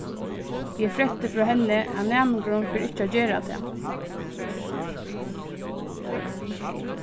eg frætti frá henni at næmingurin fer ikki at gera tað